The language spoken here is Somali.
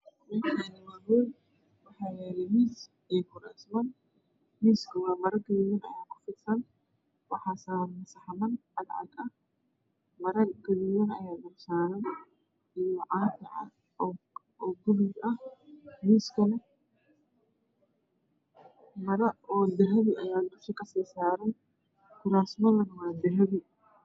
Meshami wa ahool waxaa miis iyo kuraas miiska mara gadud ayaa ku fidsan waxaa saran saxaman cad cad ah mara gaduudan ayaa dul saaran oyo caafi oo paluuga ah miiskana mara oo sahpi ayaa dusha kssaaran kuraastana wa dahapi